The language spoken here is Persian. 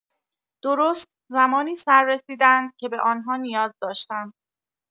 درست زمانی سررسیدند که به آن‌ها نیاز داشتم.